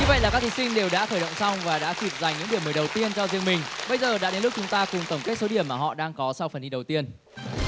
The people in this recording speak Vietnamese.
như vậy là các thí sinh đều đã khởi động xong và đã kịp giành những điểm đầu tiên cho riêng mình bây giờ đã đến lúc chúng ta cùng tổng kết số điểm mà họ đang có sau phần thi đầu tiên